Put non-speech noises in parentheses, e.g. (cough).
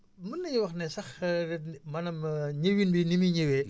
mën nañoo wax ne sax (hesitation) maanaam (hesitation) ñëwin bi ni muy ñëwee